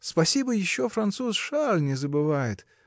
Спасибо еще француз Шарль не забывает.